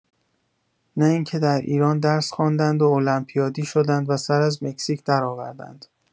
نه این که در ایران درس خواندند و المپیادی شدند و سر از مکزیک درآوردند.